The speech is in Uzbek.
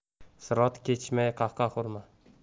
sirot kechmay qah qah urma